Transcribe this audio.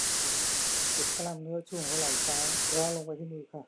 เจ็บกล้ามเนื้อช่วงหัวไหล่ซ้ายร้าวลงไปที่มือค่ะ